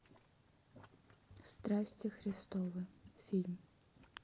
страсти христовы фильм